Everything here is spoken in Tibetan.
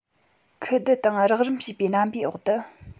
ཁུ བསྡུ དང རགས རིམ བྱས པའི རྣམ པའི འོག ཏུ